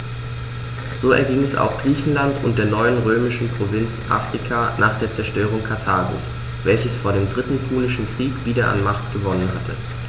So erging es auch Griechenland und der neuen römischen Provinz Afrika nach der Zerstörung Karthagos, welches vor dem Dritten Punischen Krieg wieder an Macht gewonnen hatte.